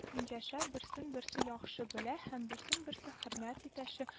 Яшәп, берсен-берсе яхшы белә һәм берсен-берсе хөрмәт итешә